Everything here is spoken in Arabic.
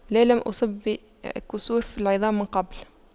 لا لم أصب بكسور في العظام من قبل